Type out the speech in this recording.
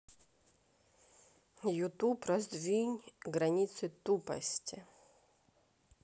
ютуб раздвинь границы тупости